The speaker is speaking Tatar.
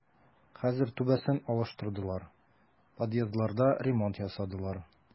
Хәзер түбәсен алыштырдылар, подъездларда ремонт ясадылар.